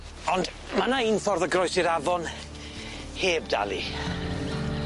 Ond, ma' 'na un ffordd o groesi'r afon heb dalu.